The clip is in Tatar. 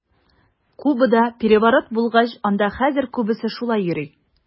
Кубада переворот булгач, анда хәзер күбесе шулай йөри.